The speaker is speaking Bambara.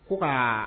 Ko ka